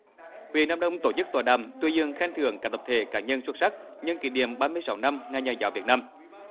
huyện nam đông tổ chức tọa đàm tuyên dương khen thưởng các tập thể cá nhân xuất sắc nhân kỷ niệm ba mươi sáu năm ngày nhà giáo việt nam